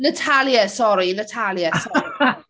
Natalia, sorry. Natalia sorry.